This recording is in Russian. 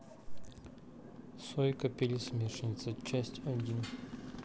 сойка пересмешница часть один